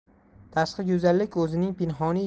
tashqi go'zallik o'zining pinhoniy